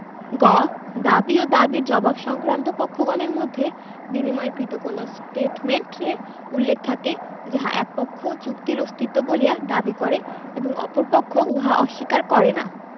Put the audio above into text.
গ দাবী ও দাবীর জবাব সংক্রান্ত পক্ষগণের মধ্যে বিনিময়কৃত কোন ষ্টেটমেন্টে উল্লেখ থাকে যাহা এক পক্ষ চুক্তির অস্তিত্ব বলিয়া দাবী করে এবং অপর পক্ষ উহা অস্বীকার করে না